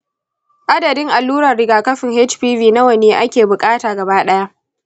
adadin allurar rigakafin hpv nawa ne ake buƙata gabaɗaya?